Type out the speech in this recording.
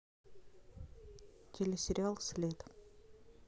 телесериал след